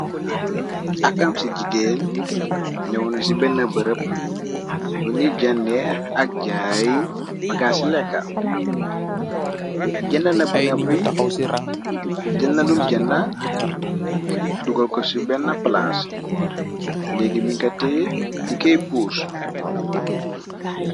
Akam ci jigéen ñyawna ci bena berep buni jàndee ak jaay bagaas ci lekka jëndena ba nopi jëlnalum jënda dugal ko ci bena palaas léegi minku teye digkéy puus.